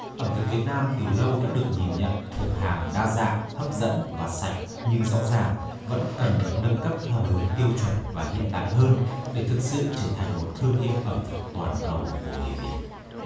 ẩm thực việt nam từ lâu đã được nhìn nhận thuộc hàng đa dạng hấp dẫn và sạch nhưng rõ ràng vẫn cần được nâng cấp theo hướng tiêu chuẩn và hiện đại hơn để thực sự trở thành một thương hiệu ẩm thực toàn cầu của người việt